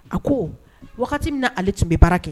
A ko wagati min ale tun bɛ baara kɛ